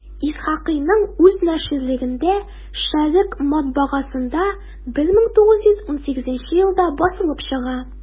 Исхакыйның үз наширлегендә «Шәрекъ» матбагасында 1918 елда басылып чыга.